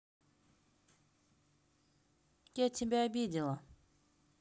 я тебя обидела